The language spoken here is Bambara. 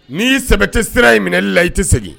N'i y'i sɛbɛ tɛ sira ye minɛli la i tɛ segin